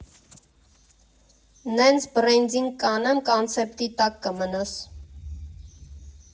Նենց բրենդինգ կանեմ, կոնցեպտի տակ կմնաս։